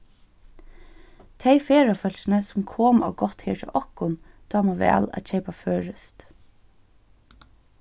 tey ferðafólkini sum koma á gátt her hjá okkum dáma væl at keypa føroyskt